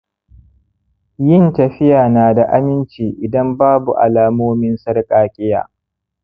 yin tafiya na da aminci idan babu alamomin sarƙaƙƙiya